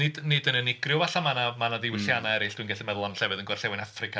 Nid nid yn unigryw falle ma' 'na ma' 'na ddiwylliannau... m-hm. ...eraill. Dwi'n gallu meddwl am llefydd yn Gorllewin Affrica.